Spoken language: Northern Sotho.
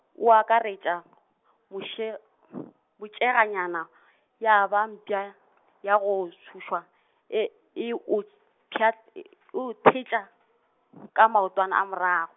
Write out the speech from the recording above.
o akaretša , moše- , motšeeganyana , ya ba mpša , ka go tšhošwa e, eo o mpya- , o thetša, ka maotwana a morago.